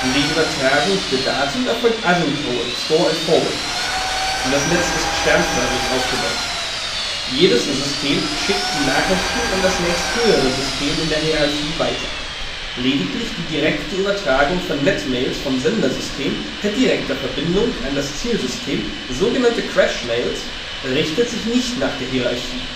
Die Übertragung der Daten erfolgt asynchron (Store and Forward). Das Netz ist sternförmig aufgebaut. Jedes System schickt die Nachrichten an das nächsthöhere System in der Hierarchie weiter. Lediglich die direkte Übertragung von Netmails vom Sendersystem per direkter Verbindung an das Zielsystem, so genannte Crashmails, richtet sich nicht nach der Hierarchie